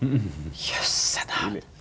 stilig.